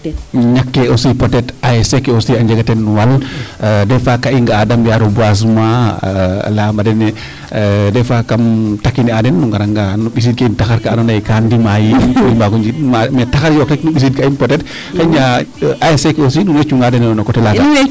Ñakkee aussi ASC ke aussi a njega teen wal des :fois kaa in nga a daal mbi'aa reboisement layaam a den'e des fois kam taquiner a den nu ngaranga nu ɓisin kee taxar kaa andoona yee kaa ndimaa yiin pour i mbaag o mais taxar yook rek nu ɓisiidkaa in peut etre xayna ASC ke aussi nuun way cunga yo den no coté laaga.